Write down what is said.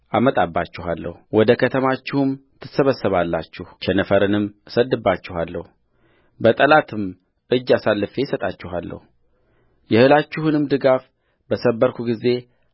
አመጣባችኋለሁ ወደ ከተማችሁም ትሰበሰባላችሁ ቸነፈርንም እሰድድባችኋለሁ በጠላትም እጅ አሳልፌ እሰጣችኋለሁየእህላችሁንም ድጋፍ በሰበርሁ ጊዜ